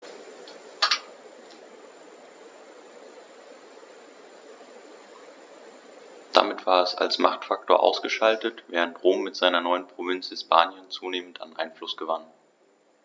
Damit war es als Machtfaktor ausgeschaltet, während Rom mit seiner neuen Provinz Hispanien zunehmend an Einfluss gewann.